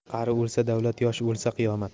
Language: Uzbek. qari o'lsa davlat yosh o'lsa qiyomat